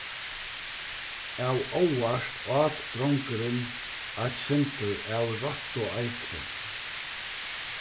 av óvart át drongurin eitt sindur av rottueitri